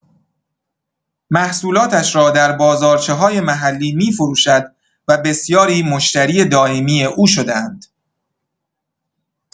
محصولاتش را در بازارچه‌های محلی می‌فروشد و بسیاری مشتری دائمی او شده‌اند.